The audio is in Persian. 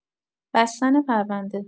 بستن پرونده